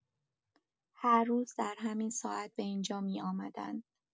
هر روز در همین ساعت به این‌جا می‌آمدند.